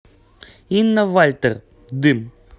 инна вальтер дым